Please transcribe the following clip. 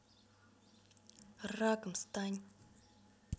раком стань